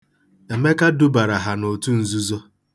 Emeka dubara ha n'otu nzuzo.